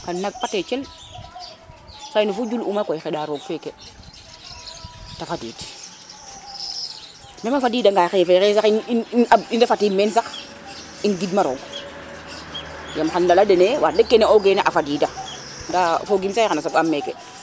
kon nak pate tem say fu jul uma koy xeɗa roog feke te fadiid meme a fadiga nga xay fe xay sax in refa tim men sax um gid ma roog yam xam lala dene wax deg ke ne o gena a fadida nda fogim sax xana soɓaɓ meke